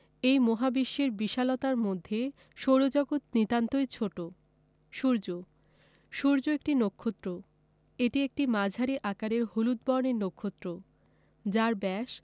এই মহাবিশ্বের বিশালতার মধ্যে সৌরজগৎ নিতান্তই ছোট সূর্য সূর্য একটি নক্ষত্র এটি একটি মাঝারি আকারের হলুদ বর্ণের নক্ষত্র যার ব্যাস